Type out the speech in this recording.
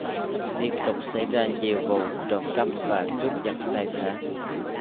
liên tục xảy ra nhiều vụ trộm cắp và cướp giật tài sản